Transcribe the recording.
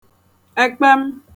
ekpem